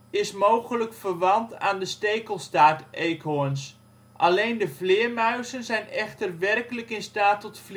is mogelijk verwant aan de stekelstaarteekhoorns. Alleen de vleermuizen zijn echter werkelijk in staat tot